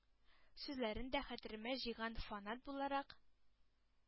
Сүзләрен дә хәтеремә җыйган “фанат” буларак,